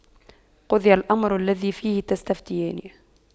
قُضِيَ الأَمرُ الَّذِي فِيهِ تَستَفِتيَانِ